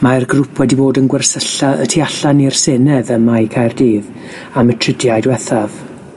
Mae'r grŵp wedi bod yn gwersylla y tu allan i'r Senedd ym mae Caerdydd am y tridiau diwethaf,